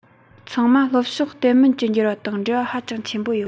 ཚང མ བློ ཕྱོགས གཏད མིན གྱི འགྱུར བ དང འབྲེལ བ ཧ ཅང ཆེན པོ ཡོད